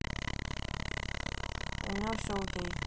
у меня все окей